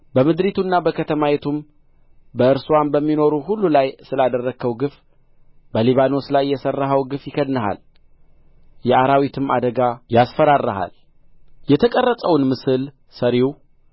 በምድሪቱና በከተማይቱም በእርስዋም በሚኖሩ ሁሉ ላይ ስላደረግኸው ግፍ በሊባኖስ ላይ የሠራኸው ግፍ ይከድንሃል የአራዊትም አደጋ ያስፈራራሃል